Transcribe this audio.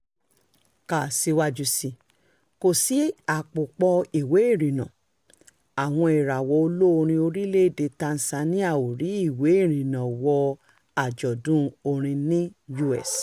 Kà síwájú sí i: Kò Sí Àpòpọ̀ Ìwé Ìrìnnà': Àwọn ìràwọ̀ olórin orílẹ̀-èdè Tanzania ò rí ìwé ìrìnnà wọ àjọ̀dún orin ní US